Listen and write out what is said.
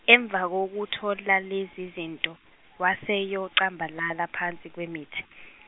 emva kokuthola lezi zinto waseyocambalala phansi kwemithi.